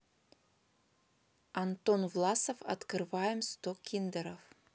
антон власов открываем сто киндеров